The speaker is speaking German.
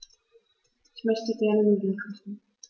Ich möchte gerne Nudeln kochen.